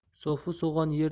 so'fi so'g'on yer